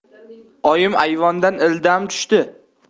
oyim ayvondan ildam tushdi